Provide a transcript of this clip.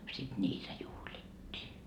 sitten niitä juhlittiin